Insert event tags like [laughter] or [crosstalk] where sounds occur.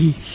[hesitation] [hesitation]